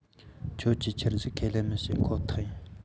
ཁྱོད ཀྱིས ཁྱེར རྒྱུར ཁས ལེན མི བྱེད ཁོ ཐག ཡིན